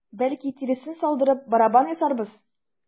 Бәлки, тиресен салдырып, барабан ясарбыз?